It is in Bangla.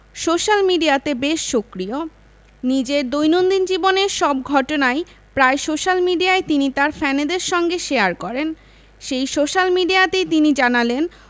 সোশ্যাল মিডিয়াতে বেশ সক্রিয় নিজের দৈনন্দিন জীবনের সব ঘটনাই প্রায় সোশ্যাল মিডিয়ায় তিনি তার ফ্যানেদের সঙ্গে শেয়ার করেন সেই সোশ্যাল মিডিয়াতেই তিনি জানালেন